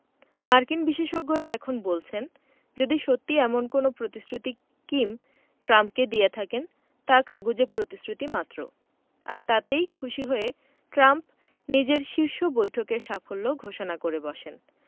মার্কিন বিশেষজ্ঞেরা এখন বলছেন যদি সত্যি এমন কোনো প্রতিশ্রুতি কিম ট্রাম্পকে দিয়ে থাকেন তা কাগুজে প্রতিশ্রুতিমাত্র আর তাতেই খুশি হয়ে ট্রাম্প নিজের শীর্ষ বৈঠকের সাফল্য ঘোষণা করে বসেন